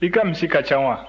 i ka misi ka ca wa